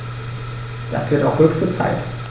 Das wird auch höchste Zeit!